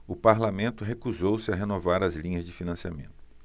o parlamento recusou-se a renovar as linhas de financiamento